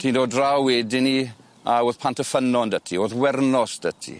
Ti'n dod draw wedi 'ny a o'dd Pantyffynnon 'dy ti. O'dd Wernos 'dy ti.